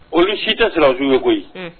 Olu si tɛ sirasiw ye koyi